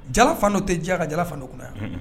Jala fan dɔ tɛ diya ka jala fan dɔ kunnaya, un un.